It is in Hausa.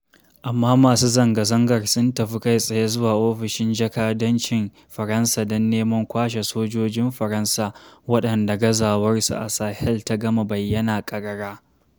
Amma masu zanga-zangar sun tafi kai tsaye zuwa Ofishin Jakadancin Faransa don neman kwashe sojojin Faransa, wanɗanda gazawar su a Sahel ta gama bayyana ƙarara.